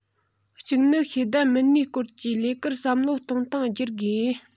གཅིག ནི ཤེས ལྡན མི སྣའི སྐོར གྱི ལས ཀར བསམ བློ གཏོང སྟངས བསྒྱུར དགོས